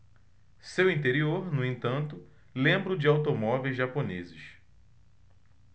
seu interior no entanto lembra o de automóveis japoneses